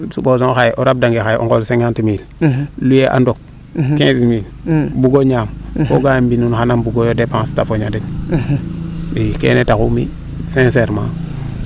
suposons xaye o rab dange o ngool cinquante mille loyer a ndoq quinze mille bugo ñaam fogame mbinun xana mbugoyo depense te foña den i keene taxu mi sincerement